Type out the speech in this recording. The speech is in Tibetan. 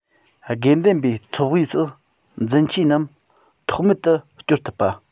དགེ འདུན པའི ཚོགས དབུས སུ འཛིན ཆོས རྣམས ཐོགས མེད དུ སྐྱོར ཐུབ པ